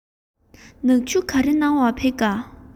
ནག ཆུར ག རེ གནང བར ཕེབས ཀ